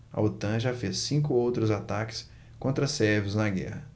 a otan já fez cinco outros ataques contra sérvios na guerra